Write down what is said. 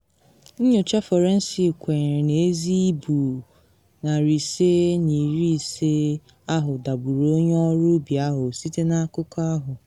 Nnyocha fọrensik kwenyere na ezi ibu 550 ahụ dagburu onye ọrụ ubi ahụ, site na akụkọ ahụ.